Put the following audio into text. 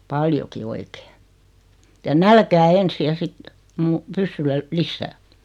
paljonkin oikein ja nälkään ensin ja sitten - pyssyllä lisää